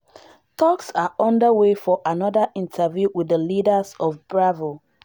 Talks are underway for another interview with the leaders of BRAVO!